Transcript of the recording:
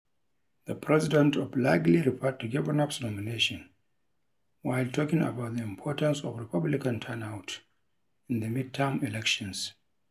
The President obliquely referred to Kavanaugh's nomination while talking about the importance of Republican turnout in the midterm elections.